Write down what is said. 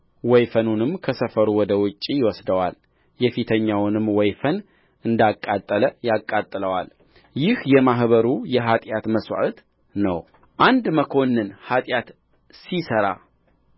ወይፈኑንም ከሰፈሩ ወደ ውጭ ይወስደዋል የፊተኛውንም ወይፈን እንዳቃጠለ ያቃጥለዋል ይህ የማኅበሩ የኃጢአት መሥዋዕት ነውአንድ መኰንንም ኃጢአትን ሲሠሩ